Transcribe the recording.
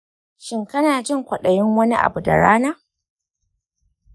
shin kana jin kwaɗayin wani abu da rana?